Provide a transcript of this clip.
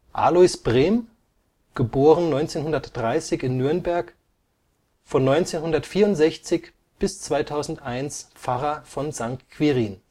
Alois Brem (* 1930 in Nürnberg), von 1964 bis 2001 Pfarrer von St. Quirin